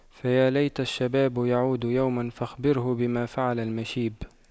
فيا ليت الشباب يعود يوما فأخبره بما فعل المشيب